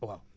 waaw